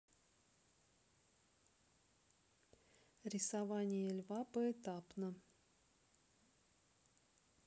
рисование льва поэтапно